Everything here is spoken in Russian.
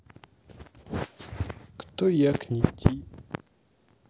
кто як не ти